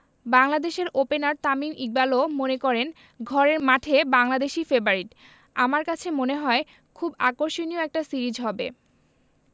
বাংলাদেশের ওপেনার তামিম ইকবালও মনে করেন ঘরের মাঠে বাংলাদেশই ফেবারিট আমার কাছে মনে হয় খুবই আকর্ষণীয় একটা সিরিজ হবে